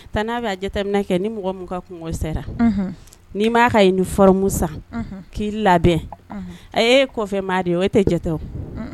N'a bɛ'a jateta min kɛ ni mɔgɔ ka kun sera n'i m maa ka ye nimu san k'i labɛn a e kɔfɛ maa de ye o tɛ jatew o